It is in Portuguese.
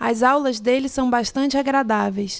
as aulas dele são bastante agradáveis